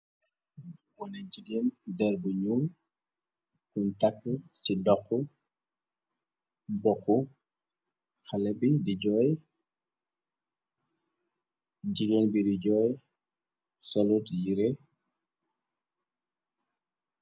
Wana jigéen dér bu ñuul kuntakk ci dokqu bokku xalé bi di jooy jigéen biryu jooy salut yire.